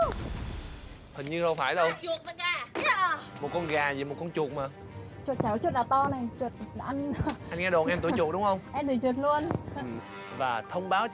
đi chạy đi thang máy lên hai tư hai tư xong cuốc bộ lên hôm thứ sáu thì đúng rồi hỏi thăm quá đông hiện nay